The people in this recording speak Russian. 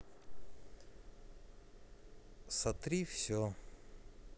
сотри все